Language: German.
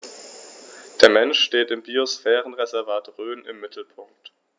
Der Mensch steht im Biosphärenreservat Rhön im Mittelpunkt.